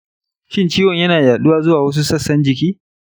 shin ciwon yana yaɗuwa zuwa wasu sassan jiki?